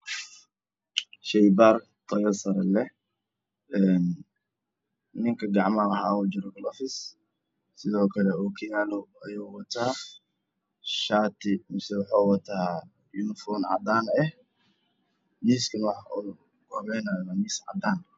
Waxaa ii muuqda nin hayo shaybaar wato shaati cadaan ah u jeedaa isbitaal ka miiska waa caddaan kii waa caddaan